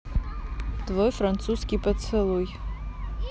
твой французский поцелуй